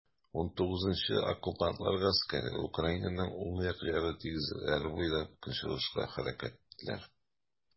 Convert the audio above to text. XIX Оккупантлар гаскәре Украинаның уң як яр тигезлекләре буйлап көнчыгышка хәрәкәт иттеләр.